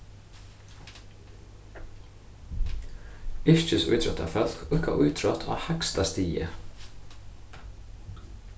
yrkisítróttafólk íðka ítrótt á hægsta stigi